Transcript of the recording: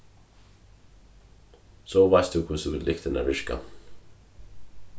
so veitst tú hvussu allar lyktir virka